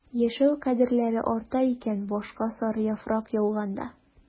Яшәү кадерләре арта икән башка сары яфрак яуганда...